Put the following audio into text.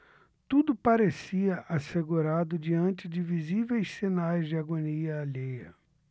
tudo parecia assegurado diante de visíveis sinais de agonia alheia